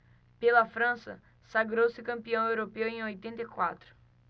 pela frança sagrou-se campeão europeu em oitenta e quatro